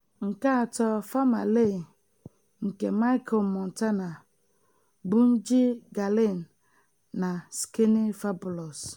3. "Famalay" nke Machel Montana, Bunji Garlin na Skinny Fabulous